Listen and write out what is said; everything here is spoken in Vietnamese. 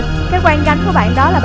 cái quang gánh của bạn đó là